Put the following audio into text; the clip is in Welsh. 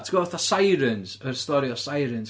Ti'n gwbod fatha sirens? Yr stori o sirens?